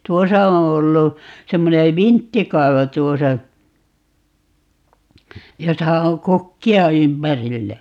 tuossa on ollut semmoinen vinttikaivo tuossa jossa on kukkia ympärillä